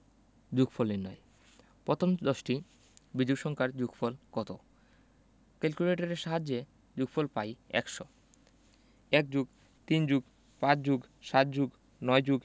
যোগফল নির্ণয় প্রথম দশটি বিজোড় সংখ্যার যোগফল কত ক্যালকুলেটরের সাহায্যে যোগফল পাই ১০০ ১+৩+৫+৭+৯+